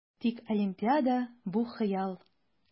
Тик Олимпиада - бу хыял!